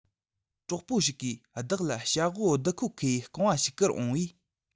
གྲོགས པོ ཞིག གིས བདག ལ བྱ ཝོ སྡི ཁོ ཁེ ཡི རྐང བ ཞིག བསྐུར འོངས པའི